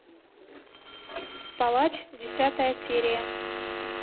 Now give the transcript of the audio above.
палач десятая серия